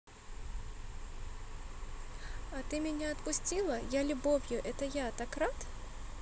а ты меня отпустила я любовью это я так рад